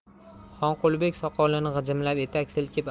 xonqulibek soqolini g'ijimlab etak silkib